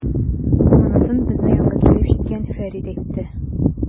Монысын безнең янга килеп җиткән Фәрит әйтте.